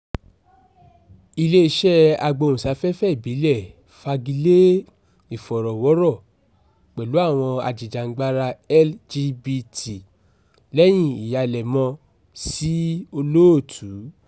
Ilé-iṣẹ́ Agbóhùnsáfẹ́fẹ́ Ìbílẹ̀ Fagilé Ìfọ̀rọ̀wọ́rọ̀ pẹ̀lú àwọn ajìjàǹgbara LGBT lẹ́yìn ìhalẹ̀mọ́ sí olóòtú